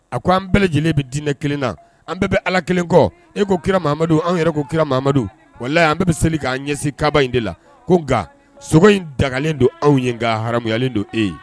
A ko an bɛɛ lajɛlen bɛ diinɛ kelen na an bɛɛ bɛ ala kelen kɔ e ko kiramadu anw yɛrɛ ko kiramadu wala la an bɛ seli k' ɲɛsin kababa in de la ko nka sogo in dagalen don anw ye nka hayalen don e ye